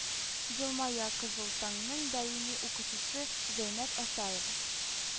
Елмая “кызыл таң”ның даими укучысы зәйнәп асаева